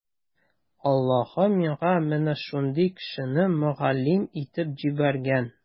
Аллаһы миңа менә шундый кешене мөгаллим итеп җибәргән.